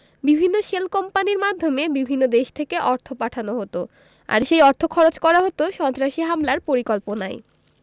বিভিন্ন শেল কোম্পানির মাধ্যমে বিভিন্ন দেশ থেকে অর্থ পাঠানো হতো আর সেই অর্থ খরচ করা হতো সন্ত্রাসী হামলার পরিকল্পনায়